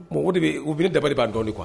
Mako de bɛ ubi dabali b'a dɔn di kuwa